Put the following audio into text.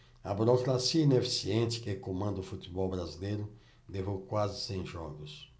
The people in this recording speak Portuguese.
a burocracia ineficiente que comanda o futebol brasileiro levou quase cem jogos